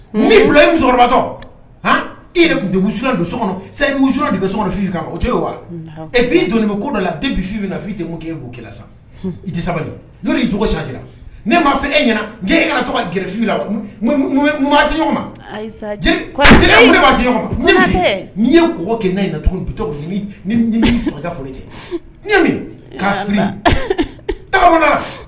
N bila musokɔrɔbatɔ e tun kɔnɔ so o wa bi dɔnni ko dɔ la a tɛ bifinfin k'e' sa i tɛ sabali' sandi n m'a fɛ e ɲɛna n e yɛrɛ tɔgɔ gɛrɛ ma ma n ye ko kɛ n na tuguni foli mina